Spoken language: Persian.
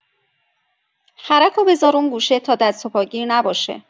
خرک رو بزار اون گوشه تا دست‌وپا گیر نباشه.